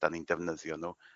'dan ni'n defnyddio n'w. yno